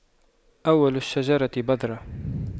أول الشجرة بذرة